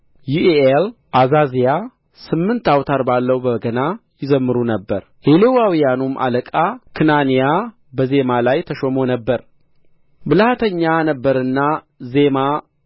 ይዒኤል ዓዛዝያ ስምንት አውታር ባለው በገና ይዘምሩ ነበር የሌዋውያኑም አለቃ ክናንያ በዜማ ላይ ተሹሞ ነበር ብልሃተኛ ነበረና ዜማ